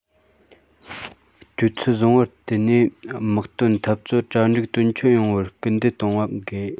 སྤྱོད ཚུལ བཟང པོར བརྟེན ནས དམག དོན འཐབ རྩོད གྲ སྒྲིག དོན འཁྱོལ ཡོང བར སྐུལ འདེད གཏོང དགོས